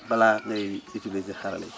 balaa ngay utilisé xarale yi